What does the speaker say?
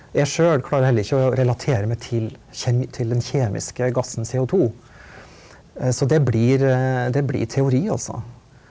jeg sjøl klarer heller ikke å relatere meg til til den kjemiske gassen CO2 så det blir det blir teori altså.